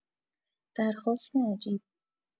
درخواست عجیب